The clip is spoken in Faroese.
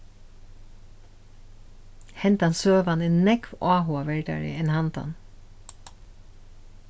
hendan søgan er nógv áhugaverdari enn handan